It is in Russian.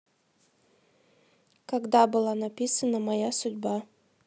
когда была написана моя судьба